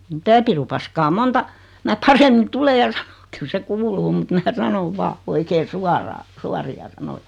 mitä pirupaskaa monta minä paremmin tule ja sano kyllä se kuuluu mutta minä sanon vain oikein suoraan suoria sanoja